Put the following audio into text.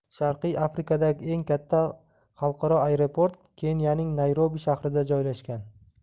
sharqiy afrikadagi eng katta alqaro aeroport keniyaning nayrobi shahrida joylashgan